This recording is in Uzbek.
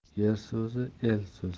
er so'zi el so'zi